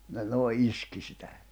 ne noin iski sitä